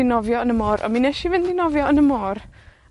i nofio yn y môr, ond mi wnesh i fynd i nofio yn y môr